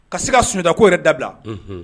Ka se ka sunjata ko yɛrɛ dabila. Unhun.